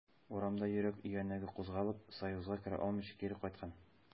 Урамда йөрәк өянәге кузгалып, союзга керә алмыйча, кире кайткан.